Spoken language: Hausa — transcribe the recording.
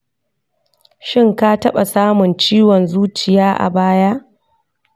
shin ka taɓa samun ciwon zuciya a baya?